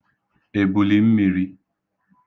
èbùlìmmīrī